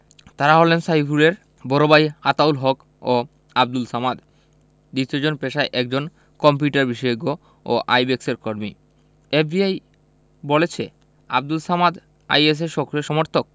তাঁরা হলেন সাইফুরের বড় ভাই আতাউল হক ও আবদুল সামাদ দ্বিতীয়জন পেশায় একজন কম্পিউটার বিশেষজ্ঞ ও আইব্যাকসের কর্মী এফবিআই বলেছে আবদুল সামাদ আইএসের সক্রিয় সমর্থক